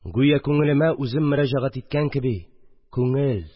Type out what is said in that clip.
Гүя күңелемә үзем мөрәҗәгать иткән кеби: «Күңел